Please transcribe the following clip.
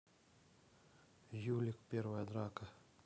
юлик первая драка